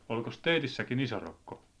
olikos teissäkin isorokko